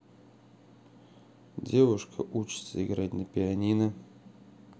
девушка учится играть на пианино